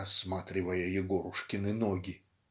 рассматривая Егорушкины ноги".